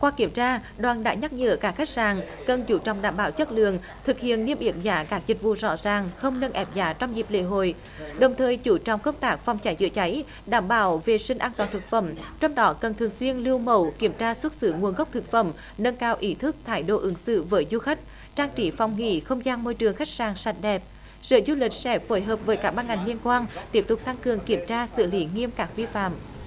qua kiểm tra đoàn đã nhắc nhở các khách sạn cần chú trọng đảm bảo chất lượng thực hiện niêm yết giá cả dịch vụ rõ ràng không nâng ép giá trong dịp lễ hội đồng thời chú trọng công tác phòng cháy chữa cháy đảm bảo vệ sinh an toàn thực phẩm trong đó cần thường xuyên lưu mẫu kiểm tra xuất xứ nguồn gốc thực phẩm nâng cao ý thức thái độ ứng xử với du khách trang trí phòng nghỉ không gian môi trường khách sạn sạch đẹp sở du lịch sẽ phối hợp với các ban ngành liên quan tiếp tục tăng cường kiểm tra xử lý nghiêm các vi phạm